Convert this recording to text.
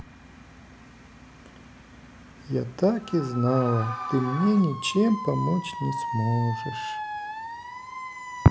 я так и знала ты мне ничем помочь не сможешь